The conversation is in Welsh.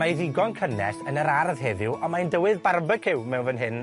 mae e ddigon cynnes yn yr ardd heddiw, ond mae yn dywydd barbeciw mewn fan hyn